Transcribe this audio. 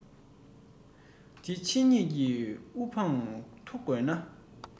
འདི ཕྱི གཉིས ཀྱི དབུ འཕངས མཐོ དགོས ན